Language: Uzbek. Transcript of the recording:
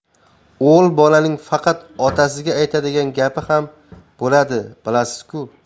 o'g'il bolaning faqat otasiga aytadigan gapi ham bo'ladi bilasiz ku